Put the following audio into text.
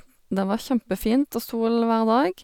Det var kjempefint og sol hver dag.